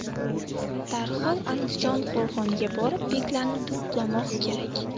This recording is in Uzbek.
darhol andijon qo'rg'oniga borib beklarni to'plamoq kerak